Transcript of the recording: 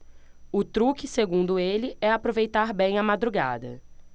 o truque segundo ele é aproveitar bem a madrugada